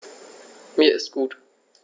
Mir ist gut.